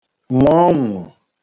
nwụ ọṅụ